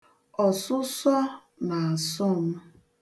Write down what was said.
Osụsọ na-asọ m